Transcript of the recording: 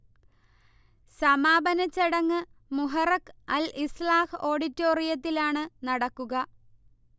സമാപനച്ചടങ്ങ് Muharraq al Islah ഓഡിറ്റോറിയത്തിലാണ് നടക്കുക